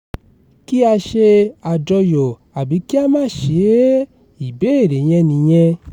Kí a ṣe àjọyọ̀ àbí kí á máà ṣe é, ìbéèrè yen ni ìyẹn.